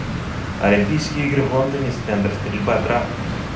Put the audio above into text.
олимпийские игры в лондоне стендер стрельба трап